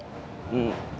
ừ